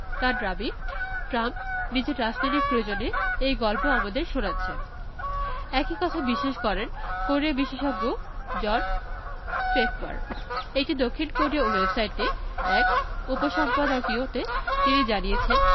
তাঁর দাবি ট্রাম্প নিজের রাজনৈতিক প্রয়োজনে এই গল্প আমাদের শোনাচ্ছেন একই কথা বিশ্বাস করেন কোরিয়া বিশেষজ্ঞ জন ফেফফার একটি দক্ষিণ কোরীয় ওয়েবসাইটে এক উপসম্পাদকীয়তে তিনি জানিয়েছেন